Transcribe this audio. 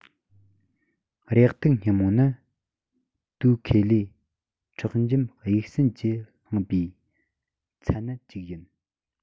རེག དུག མཉེན མོ ནི ཏུའུ ཁེ ལེ ཁྲག འཇིབ དབྱུག སྲིན གྱི བསླངས པའི མཚན ནད ཅིག ཡིན